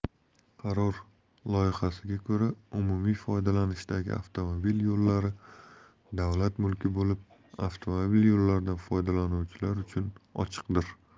qaror loyihasiga ko'ra umumiy foydalanishdagi avtomobil yo'llari davlat mulki bo'lib avtomobil yo'llaridan foydalanuvchilar uchun ochiqdir